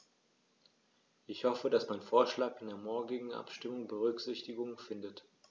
Ich hoffe, dass mein Vorschlag in der morgigen Abstimmung Berücksichtigung findet.